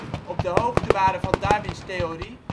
de hoogte waren van Darwins theorie